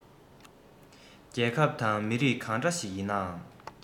རྒྱལ ཁབ དང མི རིགས གང འདྲ ཞིག ཡིན ནའང